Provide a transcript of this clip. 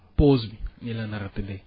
pause nii la nar a tëddee